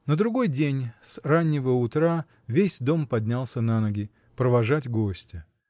На другой день, с раннего утра, весь дом поднялся на ноги — провожать гостя.